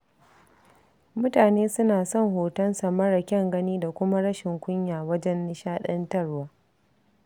Mutane suna son hotonsa mara kyan gani da kuma rashin kunya wajen nishaɗantarwa.